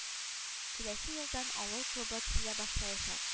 Киләсе елдан авыл клубы төзелә башлаячак